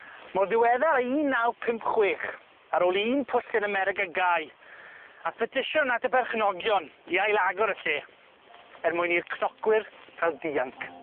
Mor ddiweddar â un naw pump chwech ar ôl i un pwll yn America gai ath petision at y perchnogion i ail agor y lle er mwyn i'r cnocwyr ca'l dianc.